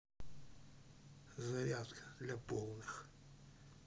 зарядка для полных